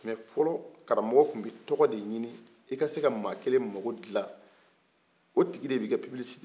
mɛ fɔlɔ karamɔgɔ tun be tɔgɔ de ɲini i kase ka maa kelen mako dilan o tigi de be kɛ pibilisite ye